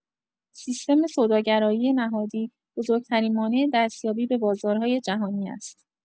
سیستم سوداگرایی نهادی بزرگ‌ترین مانع دستیابی به بازارهای جهانی است.